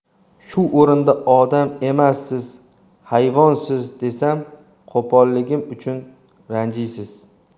shu o'rinda odam emassiz hayvonsiz desam qo'polligim uchun ranjiysiz